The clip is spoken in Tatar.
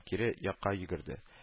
Кире якка йөгерде